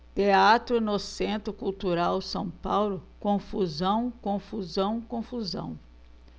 teatro no centro cultural são paulo confusão confusão confusão